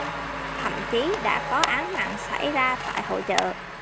thậm chí đã có án mạng xảy ra tại hội chợ